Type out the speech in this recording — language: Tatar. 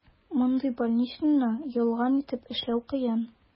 Мондый больничныйны ялган итеп эшләү кыен.